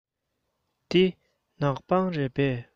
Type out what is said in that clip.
འདི ནག པང རེད པས